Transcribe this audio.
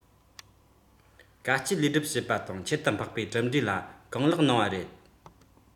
དཀའ སྤྱད ལས སྒྲུབ བྱེད པ དང ཁྱད དུ འཕགས པའི གྲུབ འབྲས ལ གང ལེགས གནང བ རེད